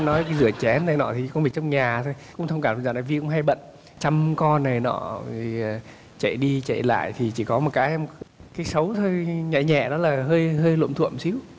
nói đi rửa chén này nọ thì không phải trông nhà thôi cũng thông cảm vì dạo này vi cũng hay bận chăm con này nọ rồi à chạy đi chạy lại thì chỉ có một cái em cái xấu hơi nhẹ nhẹ đó là hơi hơi luộm thuộm xíu